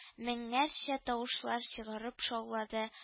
Меңнәрчә тавышлар чыгарып шаулады